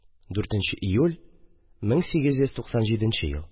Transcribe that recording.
4 нче июль, 1897 ел